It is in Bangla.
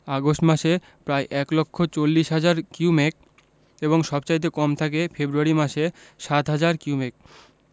আগস্ট মাসে প্রায় এক লক্ষ চল্লিশ হাজার কিউমেক এবং সবচাইতে কম থাকে ফেব্রুয়ারি মাসে ৭হাজার কিউমেক